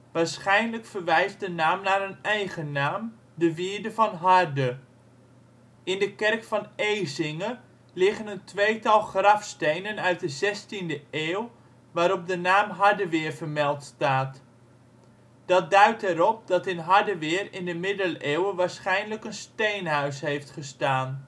Waarschijnlijk verwijst de naam naar een eigennaam: de wierde van Harde. In de kerk van Ezinge liggen een tweetal grafstenen uit de zestiende eeuw waarop de naam Hardeweer vermeld staat. Dat duidt er op dat in Hardeweer in de middeleeuwen waarschijnlijk een steenhuis heeft gestaan